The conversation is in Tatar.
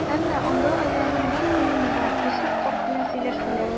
Әмма алда әле аның бик кыены бар - Йосыф карт белән сөйләшүләр.